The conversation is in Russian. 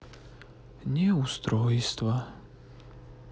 неустройство